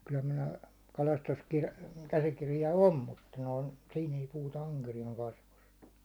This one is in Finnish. kyllähän minä - käsikirja on mutta noin siinä ei puhuta ankeriaan kasvusta